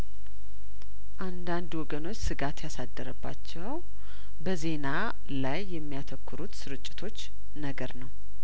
አንዳንድ ወገኖች ስጋት ያሳደረባቸው በዜና ላይ የሚያተኩሩት ስርጭቶች ነገር ነው